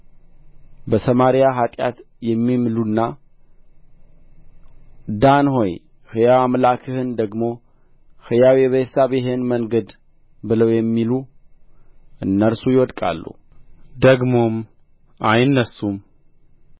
በሰማርያ ኃጢአት የሚምሉና ዳን ሆይ ሕያው አምላክህን ደግሞ ሕያው የቤርሳቤህን መንገድ ብለው የሚሉ እነርሱ ይወድቃሉ ደግሞም አይነሡም